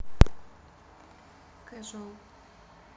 casual